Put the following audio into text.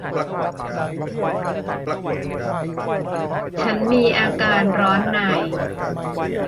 ฉันมีอาการร้อนใน